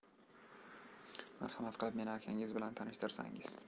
marhamat qilib meni akanggiz bilan tanishtirsangiz